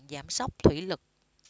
giảm xóc thủy lực